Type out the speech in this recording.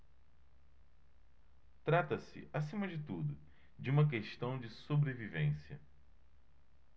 trata-se acima de tudo de uma questão de sobrevivência